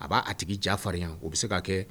A b'a a tigi jarinya o bɛ se ka'a kɛ